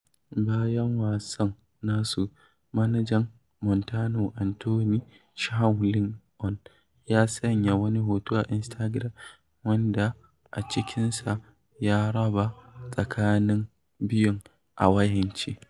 Bayan wasan nasu, manajan Montano, Anthony Chow Lin On, ya sanya wani hoto a Instagiram wanda a cikinsa ya raba tsakanin biyun a wayance: